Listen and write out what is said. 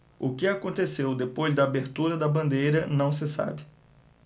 o que aconteceu depois da abertura da bandeira não se sabe